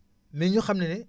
mais ñu xam ne ne